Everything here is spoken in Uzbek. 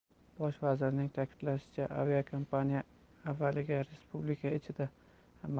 bosh vazirning ta'kidlashicha aviakompaniya avvaliga respublika ichida